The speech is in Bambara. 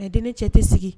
Nka deni cɛ tɛ sigi